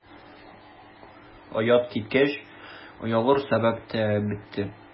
Оят киткәч, оялыр сәбәп тә бетте.